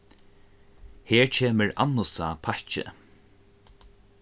her kemur annusa pakki